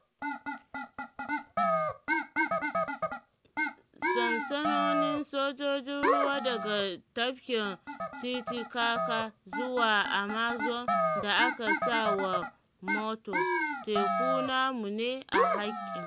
Sansanonin sojojin ruwa daga Tabkin Titicaca zuwa Amazon da aka sa wa motto: “Teku namu ne a haƙƙi.